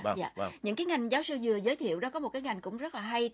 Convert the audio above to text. những cái ngành giáo sư vừa giới thiệu đó có một cái ngành cũng rất là hay